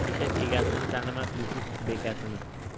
eshak egasini tanimas mushuk bekasini